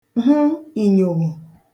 hụ ìnyòghò